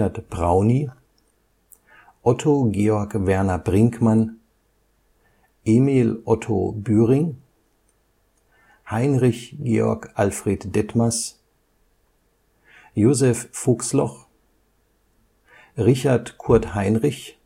Brauny Otto Georg Werner Brinkmann Emil Otto Bühring Heinrich Georg Alfred Detmers Josef Fuchsloch Richard Kurt Heinrich